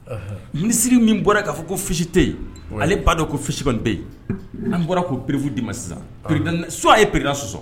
Misisiriri min bɔra k'a fɔ kosi tɛ yen ale badɔ ko fisikɔn bɛ yen n' bɔra ko perefu' ma sisan so a ye pered sɔsɔ